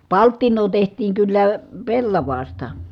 palttinaa tehtiin kyllä pellavasta